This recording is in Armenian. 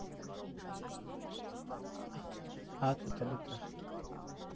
Հաց ուտելու տեղ։